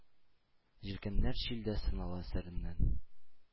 “җилкәннәр җилдә сынала” әсәреннән